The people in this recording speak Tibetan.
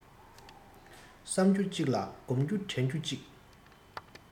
བསམ རྒྱུ གཅིག ལ བསྒོམ རྒྱུ དྲན རྒྱུ གཅིག